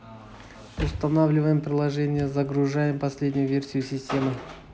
устанавливаем приложение загружаем последнюю версию системы